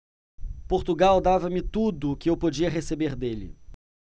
portugal dava-me tudo o que eu podia receber dele